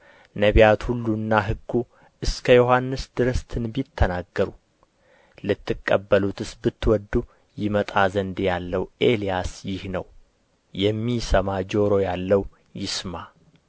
ነቢያት ሁሉና ሕጉ እስከ ዮሐንስ ድረስ ትንቢት ተናገሩ ልትቀበሉትስ ብትወዱ ይመጣ ዘንድ ያለው ኤልያስ ይህ ነው የሚሰማ ጆሮ ያለው ይስማ